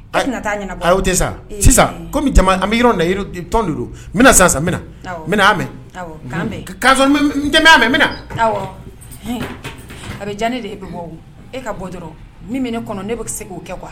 A taa tɛ sa sisan kɔmi an bɛ yɔrɔ na tɔn bɛna sansanmina n'a mɛn mɛn a bɛ jan ne de e bɛ bɔ e ka bɔ dɔrɔn min min kɔnɔ ne bɛ se k'o kɛ kuwa